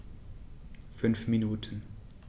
5 Minuten